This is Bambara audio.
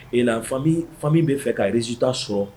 E fanmi bɛ fɛ karezta sɔrɔ